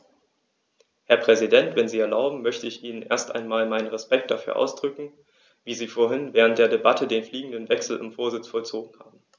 Herr Präsident, wenn Sie erlauben, möchte ich Ihnen erst einmal meinen Respekt dafür ausdrücken, wie Sie vorhin während der Debatte den fliegenden Wechsel im Vorsitz vollzogen haben.